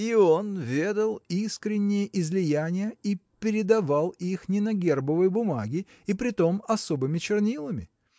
И он ведал искренние излияния и передавал их не на гербовой бумаге и притом особыми чернилами.